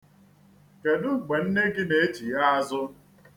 Kedụ mgbe nne gị na-echigha azụ?